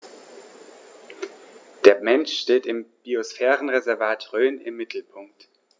Der Mensch steht im Biosphärenreservat Rhön im Mittelpunkt.